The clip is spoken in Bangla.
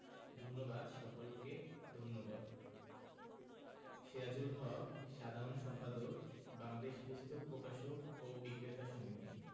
ধন্যবাদ সকলকে ধন্যবাদ সেরাজুল হক সাধারণ সম্পাদক বাংলাদেশ পুস্তক প্রকাশক ও বিক্রেতা সমিতি